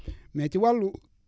mais ci wàllu